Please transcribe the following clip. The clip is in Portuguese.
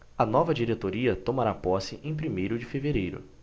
a nova diretoria tomará posse em primeiro de fevereiro